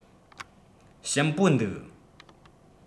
ཞིམ པོ འདུག